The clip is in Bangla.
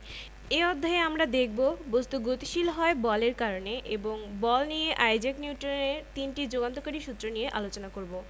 এই অধ্যায়ে আমরা দেখব বস্তু গতিশীল হয় বলের কারণে এবং বল নিয়ে আইজাক নিউটনের তিনটি যুগান্তকারী সূত্র নিয়ে আলোচনা করব